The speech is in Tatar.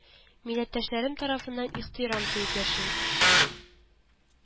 Милләттәшләрем тарафыннан ихтирам тоеп яшим